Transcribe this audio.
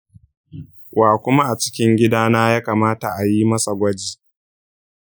wa kuma a cikin gidana ya kamata a yi masa gwaji?